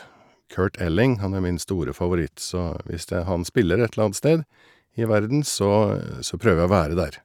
Kurt Elling, han er min store favoritt, så hvis de han spiller et eller annet sted i verden, så så prøver jeg å være der.